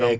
eyyi